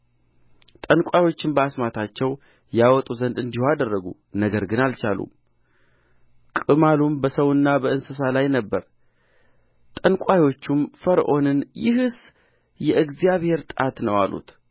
ጠንቋዮችም በአስማታቸው ያወጡ ዘንድ እንዲሁ አደረጉ ነገር ግን አልቻሉም ቅማሉም በሰውና በእንስሳ ላይ ነበረ ጠንቋዮችም ፈርዖንን ይህስ የእግዚአብሔር ጣት ነው አሉት